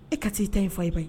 E ka' i ta in fa e ba ye